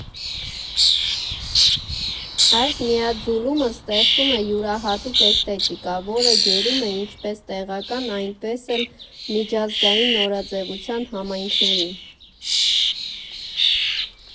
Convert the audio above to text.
Այս միաձուլումը ստեղծում է յուրահատուկ էսթետիկա, որը գերում է ինչպես տեղական, այնպես էլ միջազգային նորաձևության համայնքներին։